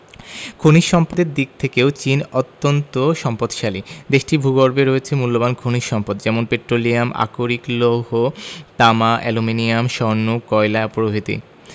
খনিজ সম্পদের দিক থেকেও চীন অত্যান্ত সম্পদশালী দেশটির ভূগর্ভে রয়েছে মুল্যবান খনিজ সম্পদ যেমন পেট্রোলিয়াম আকরিক লৌহ তামা অ্যালুমিনিয়াম স্বর্ণ কয়লা প্রভৃতি